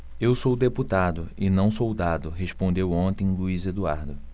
eu sou deputado e não soldado respondeu ontem luís eduardo